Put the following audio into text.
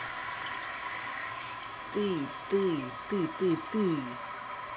ты ты ты ты ты